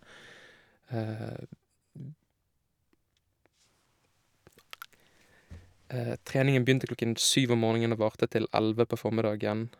Treningen begynte klokken syv om morgenen og varte til elleve på formiddagen.